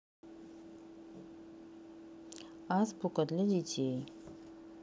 азбука для детей